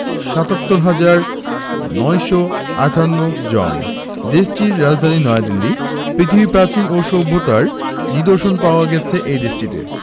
৭৭ হাজার ৯৫৮ জনদেশটির রাজধানী নয়াদিল্লী পৃথিবীর প্রাচীন ও সভ্যতার নিদর্শন পাওয়া গেছে এ দেশটিতে